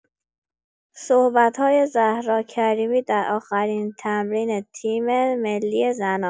صحبت‌های زهرا کریمی در آخرین تمرین تیم‌ملی زنان